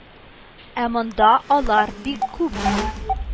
Ә монда алар бик күп